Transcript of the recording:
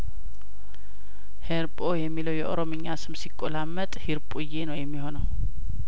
ሂርጶ የሚለው የኦሮምኛ ስም ሲቆላ መጥ ሂርጱዬ ነው የሚሆነው